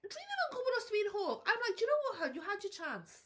Dwi ddim yn gwybod os dwi'n hoff. I'm like, do you know what hun, you had your chance.